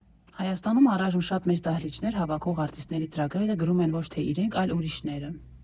Հայաստանում առայժմ շատ մեծ դահլիճներ հավաքող արտիստների ծրագրերը գրում են ոչ թե իրենք, այլ ուրիշները։